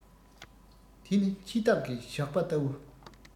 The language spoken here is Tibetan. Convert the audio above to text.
དེ ནི འཆི བདག གི ཞགས པ ལྟ བུ